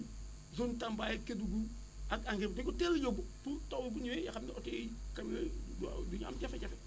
zone Tamba yeeg Kédougou ak engrais bi dañ ko teel a yóbbu pour taw bi bu ñëwee nga xam ne oto yi camions yi waaw duñu am jafe-jafe